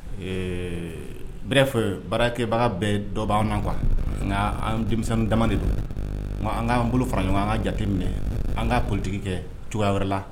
Ee bref baarakɛbaga bɛ dɔ b'an na quoi nka an denmisɛnnindama de don an k'an bolo fara ɲɔgɔn kan an k'a jateminɛ an ka politique kɛ cogoya wɛrɛ la